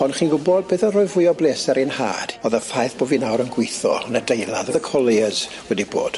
Ond chi'n gwbod beth o'dd rhoi fwy o bleser i'n nhad o'dd y ffaith bo' fi nawr yn gwitho yn adeilad the colliers wedi bod.